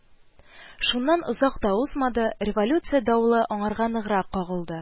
Шуннан озак та узмады, революция давылы аңарга ныграк кагылды